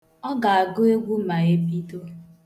Ọ ga-agụ egwu ma ebido.